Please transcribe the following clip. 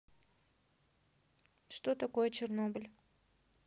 что такое чернобыль